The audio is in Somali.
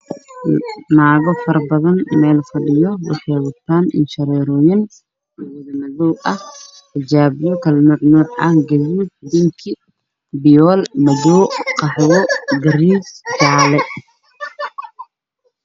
Meeshaan waxaa fadhiya naga fara badan oo wata indha shareeriyo madowga waxay wataan xijaabo kala duwan